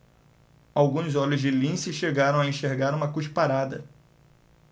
alguns olhos de lince chegaram a enxergar uma cusparada